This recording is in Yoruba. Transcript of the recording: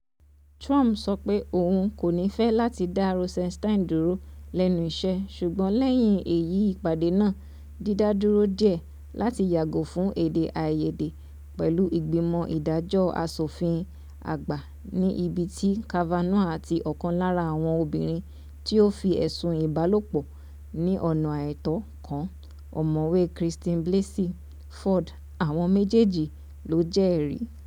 Trump sọ pé òun "kò ní fẹ́" láti dá Rosenstein dúró lẹ́nu iṣẹ́ ṣùgbọ́n lẹ́yìn èyí ìpàdé náà di dídá dúró díẹ̀ láti yàgò fún èdè àìyedè pẹ̀lú ìgbìmọ̀ ìdájọ́ Aṣòfin àgbà ní ibi tí Kavanaugh àti ọ̀kan lára àwọn obìnrin tí ó fi ẹ̀sùn ìbálòpọ̀ ní ọ́nà àìtọ́ kan Ọ̀mọ̀wé Christine Blassey Ford, àwọn méjèèjì ló jẹ́ ẹ̀rí